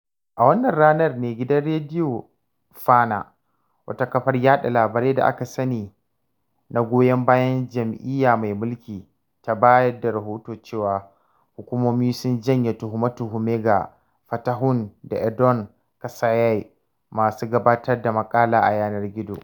A wannan ranar ne gidan Radio FANA, wata kafar yaɗa labarai da aka sani na goyon bayan jam’iyya mai mulki, ta ba da rahoton cewa hukumomi sun janye tuhume-tuhumen ga Fantahun da Edom Kassaye, masu gabatar da maƙala a yanar gizo.